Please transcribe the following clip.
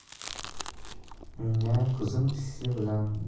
unga ko'zim tushishi bilan